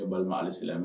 Ne balima alisilamɛ